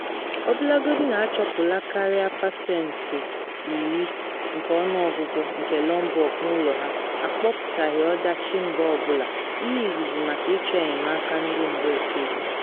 Ọbụlagodi na achụpụla karịa pasentị 10 nke ọnụọgụgụ nke Lombok n’ụlọ ha, akpọpụtaghị ọdachi mba ọ bụla, ihe izizi maka ịchọ enyemaka ndị mba ofesi.